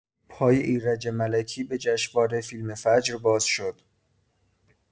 پای ایرج ملکی به جشنواره فیلم فجر باز شد!